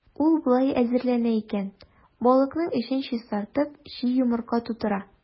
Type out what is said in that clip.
Ул болай әзерләнә икән: балыкның эчен чистартып, чи йомырка тутырыла.